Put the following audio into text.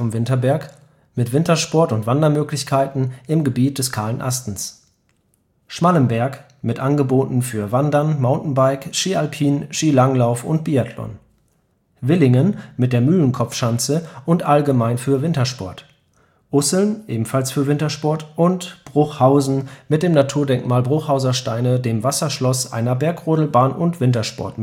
Wintersport und Wandern im Gebiet des Kahlen Astens) Schmallenberg (Wandern, Mountainbike, Ski alpin, Skilanglauf und Biathlon) Willingen (Mühlenkopfschanze, Wintersport) Usseln (Wintersport) Bruchhausen (Naturdenkmal Bruchhauser Steine, Wasserschloss, Bergrodelbahn, Wintersport